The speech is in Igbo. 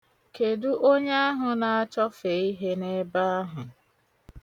Kedu onye ahụ na-achofe ihe n'ebe ahụ?